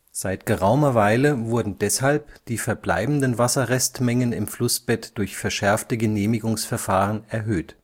Seit geraumer Weile wurden deshalb die verbleibenden Wasserrestmengen im Flussbett durch verschärfte Genehmigungsverfahren erhöht